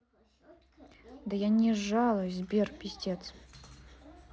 да я не жалуюсь сбер пиздеть